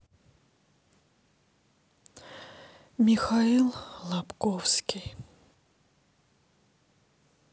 михаил лобковский